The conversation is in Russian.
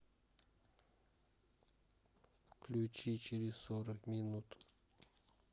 выключи через сорок минут